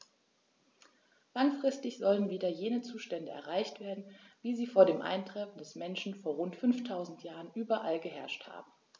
Langfristig sollen wieder jene Zustände erreicht werden, wie sie vor dem Eintreffen des Menschen vor rund 5000 Jahren überall geherrscht haben.